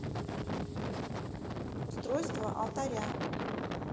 устройство алтаря